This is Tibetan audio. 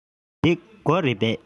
འདི སྒོ རེད པས